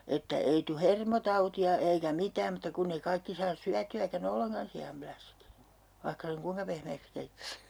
että ei tule hermotautia eikä mitään mutta kun ei kaikki saa syötyäkään ollenkaan sianläskiä vaikka sen kuinka pehmeäksi keittäisi